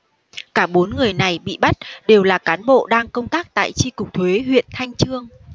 cả bốn người này bị bắt đều là cán bộ đang công tác tại chi cục thuế huyện thanh chương